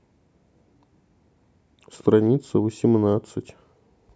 страница восемнадцать